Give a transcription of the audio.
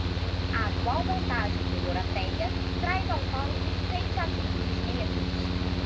a atual montagem de dorotéia traz ao palco seis atrizes negras